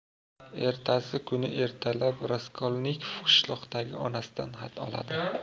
ertasi kuni ertalab raskolnikov qishloqdagi onasidan xat oladi